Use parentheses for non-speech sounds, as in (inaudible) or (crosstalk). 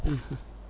(hesitation) (hesitation)